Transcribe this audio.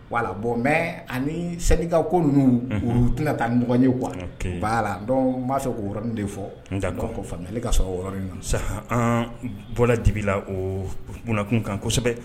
Wala bɔ mɛ ani sɛnɛnikaw ko ninnu olu tɛna taa ɲɔgɔn ye kuwa ba la dɔn b'a fɛ ko yɔrɔɔrɔnin de fɔ dan kɔ fana ale ka sɔrɔ yɔrɔɔrɔn ɲɔgɔn bɔn dibi la o munnakun kan kosɛbɛ